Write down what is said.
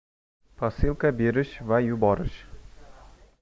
posilka berish va yuborish